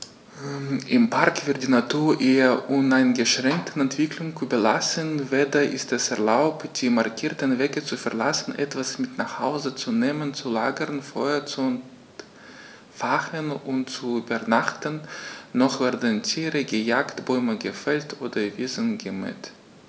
Im Park wird die Natur ihrer uneingeschränkten Entwicklung überlassen; weder ist es erlaubt, die markierten Wege zu verlassen, etwas mit nach Hause zu nehmen, zu lagern, Feuer zu entfachen und zu übernachten, noch werden Tiere gejagt, Bäume gefällt oder Wiesen gemäht.